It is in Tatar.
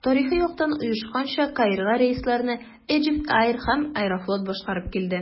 Тарихи яктан оешканча, Каирга рейсларны Egypt Air һәм «Аэрофлот» башкарып килде.